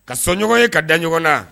Ka sɔnɲɔgɔn ye ka da ɲɔgɔn na